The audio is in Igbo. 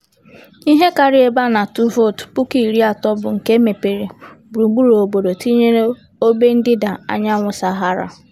Ihe kariri ebe a na-atụ votu 30,000 bụ nke e mepere gburugburu obodo tinyere ógbè ndịda anyanwụ Sahara.